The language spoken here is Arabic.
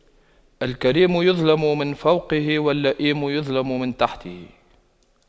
الكريم يظلم من فوقه واللئيم يظلم من تحته